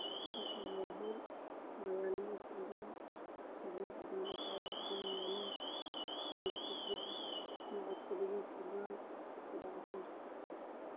Waa guri waxaa yaalo misas iyo kuraas